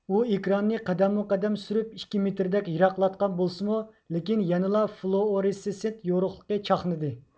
ئۇ ئېكراننى قەدەممۇ قەدەم سۈرۈپ ئىككى مىتىردەك يىراقلاتقان بولسىمۇ لېكىن يەنىلا فلۇئورېسىسېنت يورۇقلۇقى چاقنىدى